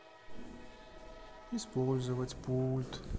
использовать пульт